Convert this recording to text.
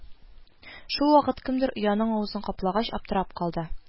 Шул вакыт кемдер ояның авызын каплагач, аптырап калды: